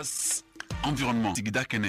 Environnement sigida kɛnɛ.